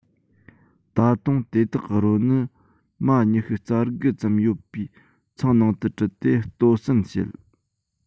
ད དུང དེ དག གི རོ ནི མ ཉི ཤུ རྩ དགུ ཙམ ཡོད པའི ཚང ནང དུ དྲུད དེ ལྟོ ཟན བྱེད